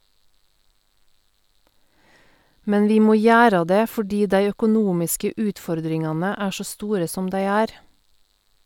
Men vi må gjera det fordi dei økonomiske utfordringane er så store som dei er.